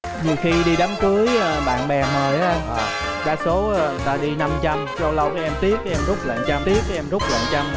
nhiều khi đi đám cưới ờ bạn bè mời đó anh đa số ở người ta đi năm trăm lâu lâu em tiếc em rút lại một trăm tiếc em rút lại một trăm